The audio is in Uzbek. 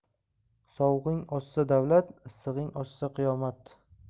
sovug'ing oshsa davlat issig'ing oshsa qiyomat